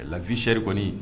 La vsisɛri kɔni